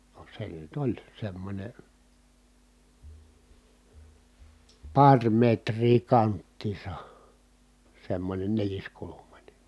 no se nyt oli semmoinen pari metriä kanttiinsa semmoinen neliskulmainen